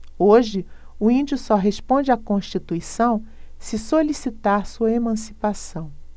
hoje o índio só responde à constituição se solicitar sua emancipação